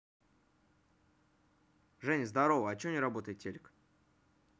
женя здорово а че не работает телек